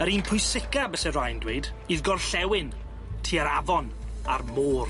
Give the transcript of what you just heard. Yr un pwysica byse rai yn dweud, i'r gorllewin, tua'r afon, a'r môr.